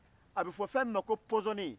a bɛ fɔ fɛn min ma ko pɔssɔnin